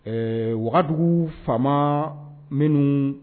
Ɛɛ wagadu faama minnu